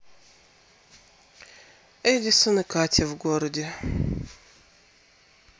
эдисон и катя в городе